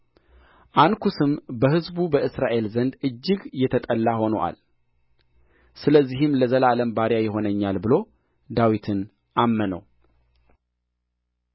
አንኩስም በሕዝቡ በእስራኤል ዘንድ እጅግ የተጠላ ሆኖአል ስለዚህም ለዘላለም ባሪያ ይሆነኛል ብሎ ዳዊትን አመነው